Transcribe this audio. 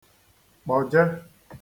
kpọje